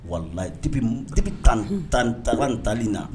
Walabi tan tan tan tali na